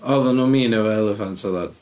Oeddan nhw'n mean efo eliffant doeddan.